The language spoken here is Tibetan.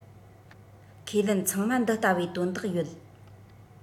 ཁས ལེན ཚང མ འདི ལྟ བུའི དོན དག ཡོད